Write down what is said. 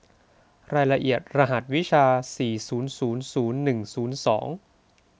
รายละเอียดรหัสวิชาสี่ศูนย์ศูนย์ศูนย์หนึ่งศูนย์สอง